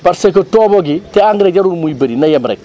parce que toobo gi te engrais jarul muy bëri na yem rek